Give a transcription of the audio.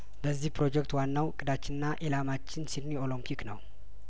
በዚህ ፕሮጀክት ዋናው እቅዳችንና ኢላማችን ሲድኒ ኦሎምፒክ ነው